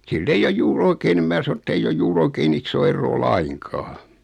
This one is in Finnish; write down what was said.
sillä ei ole juuri oikein niin minä sanon että ei ole juuri oikein isoa eroa lainkaan